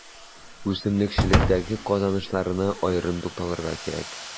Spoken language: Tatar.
Үсемлекчелектәге казанышларына аерым тукталырга кирәк.